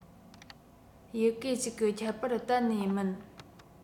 ཡི གེ གཅིག གི ཁྱད པར གཏན ནས མིན